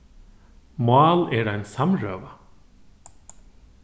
mál er ein samrøða